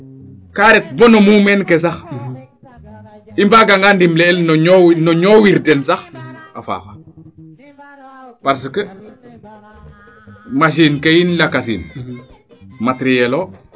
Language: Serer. ka ret bo no mumeen ke sax i mbaaga nga ndimle el no no ñowir den sax a faaxa parce que machine ke yiin lakasiin materiel oo